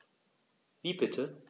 Wie bitte?